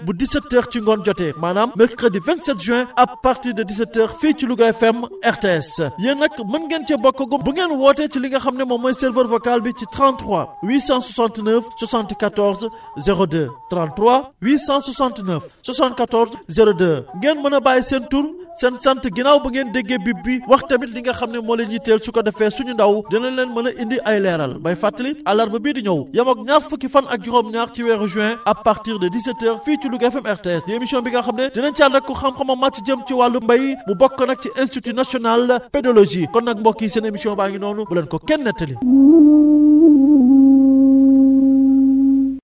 waaye nag mbokk yi ñu ngi leen di xamal ne émission bu njëkk bi ñu ngi ko jàpp àllarba ñaar fukki fan ak juróom-ñaar ci weeru juin bu 17 heures ci ngoon jotee maanaam mercredi 27 juin à partir de 17 heures fii ci Louga FM RTS yéen nag mën ngeen cee bokkagum bu ngeen wootee ci li nga xam ne moom mooy serveur vocal bi ci 33 869 74 02 33 869 74 02 ngeen mën a bàyyi seen tur seen sant ginnaaw bi ngeen déggee bip bi wax tamit li nga xam ne moo leen titteel su ko defee suñu ndax dana leen mën a indi ay leeral may fàttali àllarba bii di ñëw yemoog ñaar fukki fan ak juróom-ñaar ci weeru juin à partir de 17 heures fii ci Louga FM RTS di émission bi nga xam ne dinañ ci àndak ku xam-xamam màcc jëm ci wàllu mbay mu bokk nag ci institut national pédologie kon nag mbokk yi seen émission baa ngi noonu bu leen ko kenn nettali